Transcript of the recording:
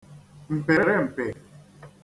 -m̀pị̀rị̀mpị̀